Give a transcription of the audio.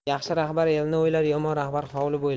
yaxshi rahbar elni o'ylar yomon rahbar hovli bo'ylar